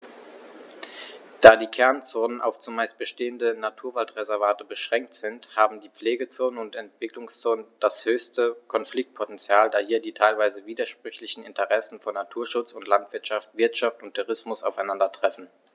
Da die Kernzonen auf – zumeist bestehende – Naturwaldreservate beschränkt sind, haben die Pflegezonen und Entwicklungszonen das höchste Konfliktpotential, da hier die teilweise widersprüchlichen Interessen von Naturschutz und Landwirtschaft, Wirtschaft und Tourismus aufeinandertreffen.